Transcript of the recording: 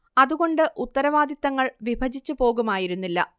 അതുകൊണ്ട് ഉത്തരവാദിത്തങ്ങൾ വിഭജിച്ച് പോകുമായിരുന്നില്ല